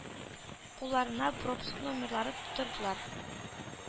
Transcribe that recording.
Кулларына пропуск номерлары тоттырдылар.